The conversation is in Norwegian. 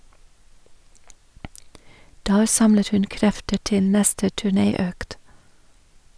Der samlet hun krefter til neste turnéøkt.